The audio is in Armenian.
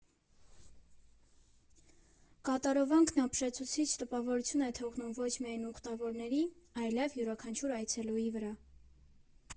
Կատարովանքն ապշեցուցիչ տպավորություն է թողնում ոչ միայն ուխտավորների, այլև յուրաքանչյուր այցելուի վրա։